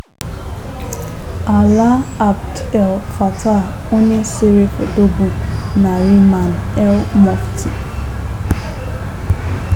Alaa Abd El Fattah, onye sere foto bụ Nariman El-Mofty.